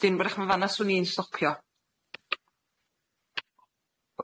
'Dyn 'w'rach ma' fan 'na swn i'n stopio.